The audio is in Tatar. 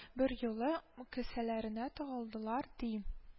Берьюлы кесәләренә тыгылдылар, ди